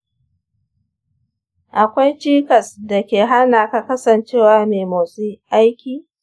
akwai cikas da ke hana ka kasancewa mai motsi/aiki?